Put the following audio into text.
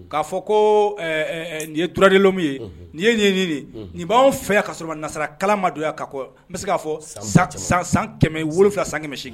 K'a fɔ ko nin yeuradilo min ye nin ye ninɲini nin b' anw fɛ yan'a sɔrɔ nasara kala ma donya ka n bɛ se k'a fɔ san kɛmɛ wolofila san kɛmɛmɛ